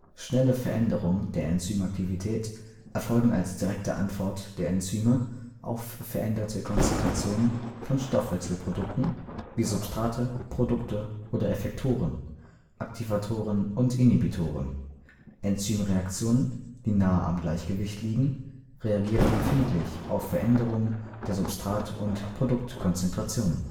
Schnelle Veränderungen der Enzymaktivität erfolgen als direkte Antwort der Enzyme auf veränderte Konzentrationen von Stoffwechselprodukten, wie Substrate, Produkte oder Effektoren (Aktivatoren und Inhibitoren). Enzymreaktionen, die nahe am Gleichgewicht liegen, reagieren empfindlich auf Veränderungen der Substrat - und Produktkonzentrationen